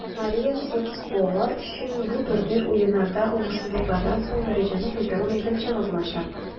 Мария Сотскова өчен бу турнир Уеннарда уңышсызлыклардан соң дәрәҗәне кайтару мәйданчыгы булачак.